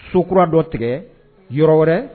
So kura dɔ tigɛ yɔrɔ wɛrɛ